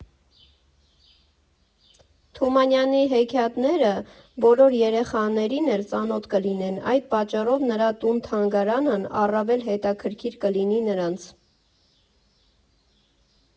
Թումանյանի հեքիաթները բոլոր երեխաներին էլ ծանոթ կլինեն, այդ պատճառով նրա տուն֊թանգարանն առավել հետաքրքիր կլինի նրանց։